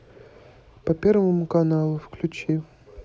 по первому каналу включи